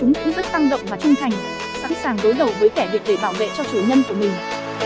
chúng cũng rất tăng động và trung thành sẵn sàng đối đầu với kẻ địch để bảo vệ cho chủ nhân của mình